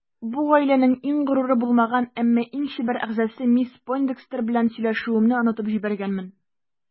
Бу гаиләнең иң горуры булмаган, әмма иң чибәр әгъзасы мисс Пойндекстер белән сөйләшүемне онытып җибәргәнмен.